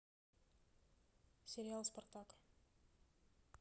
сериал спартак